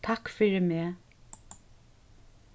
takk fyri meg